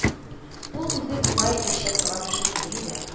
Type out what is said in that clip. Ул үзе болай эчә торган кеше түгел иде